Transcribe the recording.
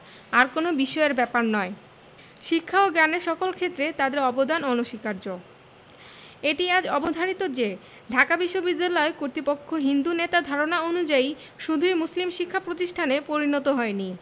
আর কোনো বিস্ময়ের ব্যাপার নয় শিক্ষা ও জ্ঞানের সকল ক্ষেত্রে তাদের অবদান অনস্বীকার্য এটিআজ অবধারিত যে ঢাকা বিশ্ববিদ্যালয় কতিপয় হিন্দু নেতার ধারণা অনুযায়ী শুধুই মুসলিম শিক্ষা প্রতিষ্ঠানে পরিণত হয় নি